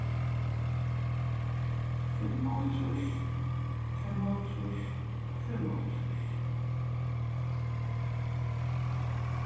fimmoghálvtrýss fimmoghálvtrýss fimmoghálvtrýss